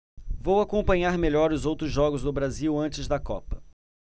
vou acompanhar melhor os outros jogos do brasil antes da copa